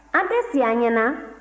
an tɛ si an ɲɛ na